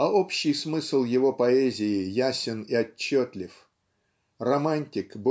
А общий смысл его поэзии ясен и отчетлив. Романтик